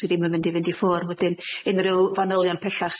sydd ddim yn mynd i fynd i ffwr' wedyn unrhyw fanylion pellach